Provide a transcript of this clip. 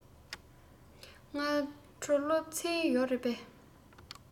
ཕྱི དྲོ སློབ ཚན ཡོད རེད པས